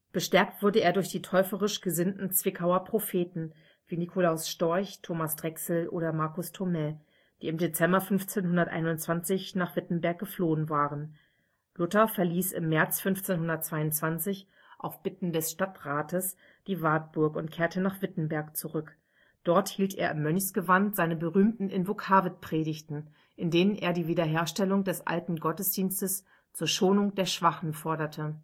Bestärkt wurde er durch die täuferisch gesinnten Zwickauer Propheten (Nikolaus Storch, Thomas Drechsel, Markus Thomae), die im Dezember 1521 nach Wittenberg geflohen waren. Luther verließ im März 1522 auf Bitten des Stadtrats die Wartburg und kehrte nach Wittenberg zurück. Dort hielt er im Mönchsgewand seine berühmten Invokavitpredigten, in denen er die Wiederherstellung des alten Gottesdienstes zur „ Schonung der Schwachen “forderte